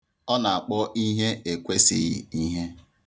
Ọ na-akpọ ihe ekwesịghị ihe.